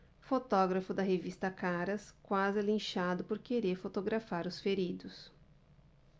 fotógrafo da revista caras quase é linchado por querer fotografar os feridos